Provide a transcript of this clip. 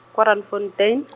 ko Randfontein.